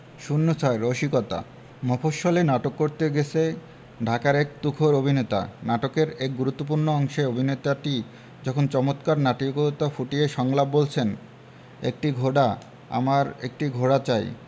০৬ রসিকতা মফশ্বলে নাটক করতে গেছে ঢাকার এক তুখোর অভিনেতা নাটকের এক গুরুত্তপূ্র্ণ অংশে অভিনেতাটি যখন চমৎকার নাটকীয়তা ফুটিয়ে সংলাপ বলছেন একটি ঘোড়া আমার একটি ঘোড়া চাই